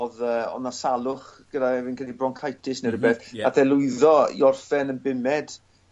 odd yy odd 'na salwch gyda fe fi'n credu broncitis ne' rwbeth. Hmm ie. Nath e lwyddo i orffen yn bumed